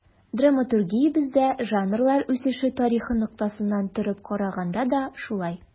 Драматургиябездә жанрлар үсеше тарихы ноктасынан торып караганда да шулай.